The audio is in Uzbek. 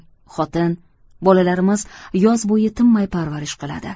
xotin bolalarimiz yoz bo'yi tinmay parvarish qiladi